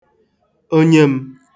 onyem̄